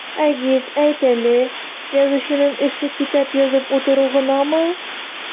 Айгиз, әйт әле, язучының эше китап язып утыру гынамы?